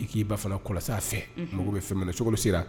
I k'i ba fana kɔlɔsi fɛ mago bɛ fɛ cogogo sera